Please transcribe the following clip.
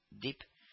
— дип